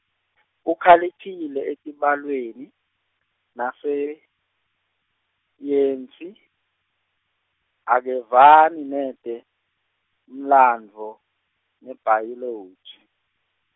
Ukhaliphile etibalweni, nase yensi, akevani netemlandvo, nebhayoloji.